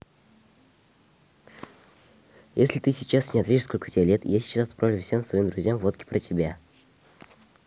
если ты сейчас не ответишь сколько тебе лет я сейчас отправлю всем своим друзьям фотки про тебя